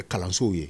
kalansow ye